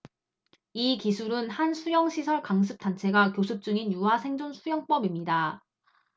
이 기술은 한 수영 사설 강습 단체가 교습 중인 유아 생존 수영법입니다